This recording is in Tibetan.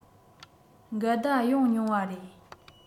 འགལ ཟླ ཡོང མྱོང བ རེད